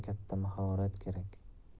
katta mahorat kerak